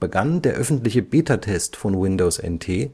begann der öffentliche Betatest von Windows NT